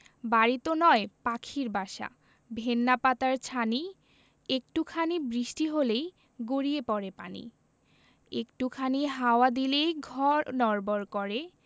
বাড়িতো নয় পাখির বাসা ভেন্না পাতার ছানি একটু খানি বৃষ্টি হলেই গড়িয়ে পড়ে পানি একটু খানি হাওয়া দিলেই ঘর নড়বড় করে